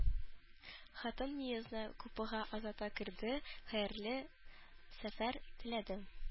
Хатын Ниязны купега озата керде, хәерле сәфәр теләде